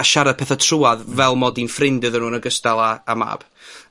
a siarad petha trwadd fel mod i'n ffrind iddyn nw, yn ogystal â â mab.